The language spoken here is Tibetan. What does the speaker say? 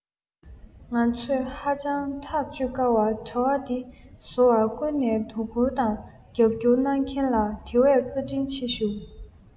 ང ཚོས ཧ ཅང ཐག གཅོད དཀའ བ དྲ བ འདི བཟོ བར ཀུན ནས དོ ཁུར དང རྒྱབ སྐྱོར གནང མཁན ལ དེ བས བཀའ དྲིན ཆེ ཞུ